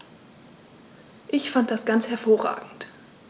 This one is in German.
Ich fand das ganz hervorragend.